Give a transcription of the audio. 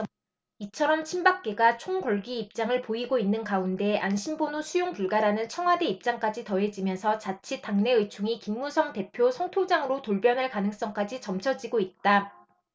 이처럼 친박계가 총궐기 입장을 보이고 있는 가운데 안심번호 수용불가라는 청와대 입장까지 더해지면서 자칫 당내 의총이 김무성 대표 성토장으로 돌변할 가능성까지 점쳐지고 있다